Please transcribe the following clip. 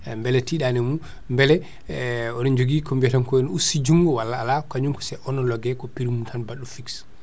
beele tiɗani e mum beele oɗon joogui ko biyaton ko henna usti junggo walla ala kañum o non logge ko prix mum tan badɗo fixe